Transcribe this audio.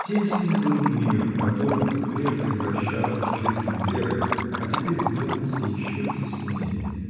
Тесен был мир, в котором и прежде вращалась жизнь Веры, а теперь сделался еще теснее.